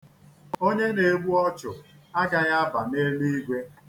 Onye na-egbu ọchụ agaghị aba n'eliigwe.